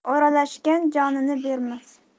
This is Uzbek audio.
o'rlashgan jonini bermas